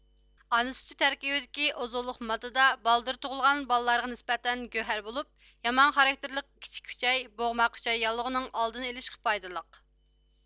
ئانا سۈتى تەركىبىدىكى ئوزۇقلۇق ماددىدا بالدۇر تۇغۇلغان بالىلارغا نىسبەتەن گۆھەر بولۇپ يامان خاراكتېرلىك كىچىك ئۈچەي بوغماق ئۈچەي ياللۇغىنىڭ ئالدىنى ئېلىشقا پايدىلىق